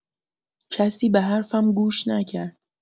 کسی به حرفم گوش نکرد.